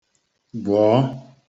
gwọ̀ọ